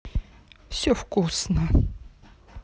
все вкусно